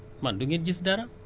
tay gisuñu dara